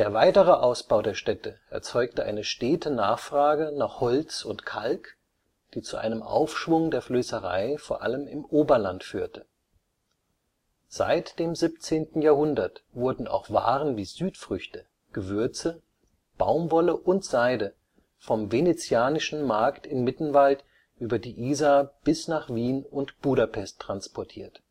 weitere Ausbau der Städte erzeugte eine stete Nachfrage nach Holz und Kalk, die zu einem Aufschwung der Flößerei vor allem im Oberland führte. Seit dem 17. Jahrhundert wurden auch Waren wie Südfrüchte, Gewürze, Baumwolle und Seide vom Venezianischen Markt in Mittenwald über die Isar bis nach Wien und Budapest transportiert